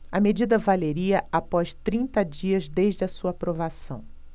a medida valeria após trinta dias desde a sua aprovação